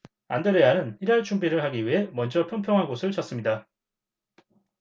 안드레아는 일할 준비를 하기 위해 먼저 평평한 곳을 찾습니다